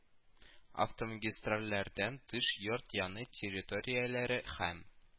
Автомагистральләрдән тыш, йорт яны территорияләре һәм